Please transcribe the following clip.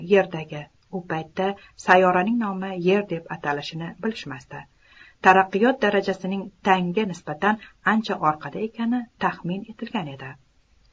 yerdagi u paytda sayyoraning nomi yer deb atalishini bilishmasdi taraqqiyot darajasining tangga nisbatan ancha orqada ekani taxmin etilgan edi